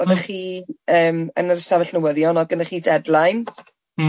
...odda chi yym yn yr ystafell newyddion odd gynnoch chi deadline... Hmm.